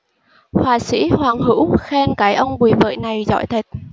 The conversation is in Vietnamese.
họa sĩ hoàng hữu khen cái ông bùi vợi này giỏi thật